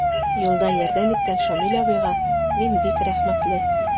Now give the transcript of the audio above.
Юлда ярдәм иткән Шамил абыйга мин бик рәхмәтле.